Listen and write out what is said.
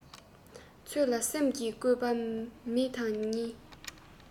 ཚོད ལ སེམས ཀྱི བཀོད པ མེད དང གཉིས